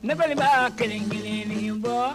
Ne balima kelen kelen bɔ